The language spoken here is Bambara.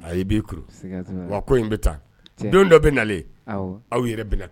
A''i wa ko in bɛ taa don dɔ bɛ nalen aw yɛrɛ bila